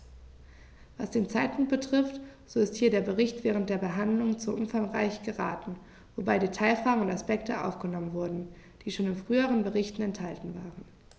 Was den Zeitpunkt betrifft, so ist hier der Bericht während der Behandlung zu umfangreich geraten, wobei Detailfragen und Aspekte aufgenommen wurden, die schon in früheren Berichten enthalten waren.